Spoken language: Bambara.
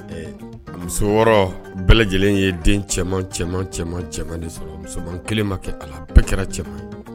Muso wɔɔrɔ bɛɛ lajɛlen ye den cɛman cɛman cɛman cɛman sɔrɔ musoman kelen ma kɛ ala bɛɛ kɛra cɛman